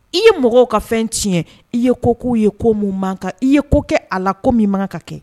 I ye mɔgɔw ka fɛn tiɲɛ, i ye ko k'u ye ko min man kan, i ye ko kɛ a la ko min man ka kɛ.